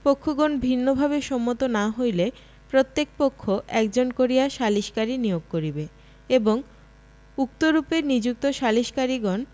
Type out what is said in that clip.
পক্ষগণ ভিন্নভাবে সম্মত না হইলে প্রত্যেক পক্ষ একজন করিয়া সালিসকারী নিয়োগ করিবে এবং উক্তরূপে নিযুক্ত সালিককারীগণ